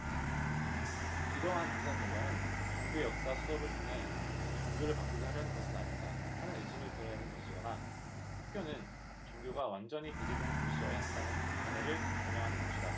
이러한 조사 결과는 종교 역사 수업을 통해 종교를 바꾸게 하려는 것은 아닌가 하는 의심을 드러내는 것이거나 학교는 종교가 완전히 배제된 곳이어야 한다는 견해를 반영하는 것이다